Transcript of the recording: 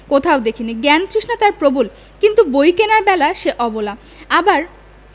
কোথাও দেখি নি জ্ঞানতৃষ্ণা তার প্রবল কিন্তু বই কেনার বেলা সে অবলা আবার